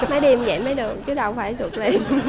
mấy đêm dậy mới được chứ đâu phải được liền